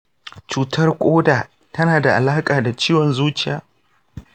cutar ƙoda tana da alaƙa da ciwon zuciya?